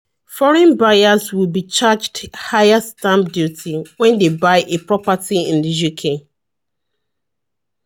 Foreign buyers will be charged higher stamp duty when they buy a property in the UK